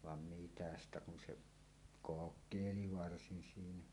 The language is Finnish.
vaan mitä siitä kun se kokeili varsin siinä